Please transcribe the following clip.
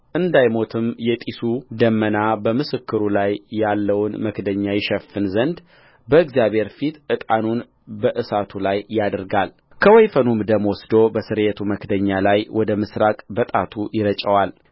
እንዳይሞትም የጢሱ ደመና በምስክሩ ላይ ያለውን መክደኛ ይሸፍን ዘንድ በእግዚአብሔር ፊት ዕጣኑን በእሳቱ ላይ ያደርጋልከወይፈኑም ደም ወስዶ በስርየቱ መክደኛ ላይ ወደ ምሥራቅ በጣቱ ይረጨዋል